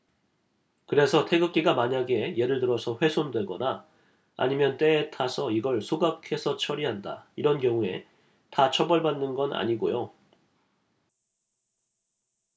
그래서 태극기가 만약에 예를 들어서 훼손되거나 아니면 때에 타서 이걸 소각해서 처리한다 이런 경우에 다 처벌받는 건 아니고요